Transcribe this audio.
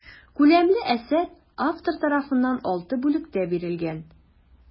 Күләмле әсәр автор тарафыннан алты бүлектә бирелгән.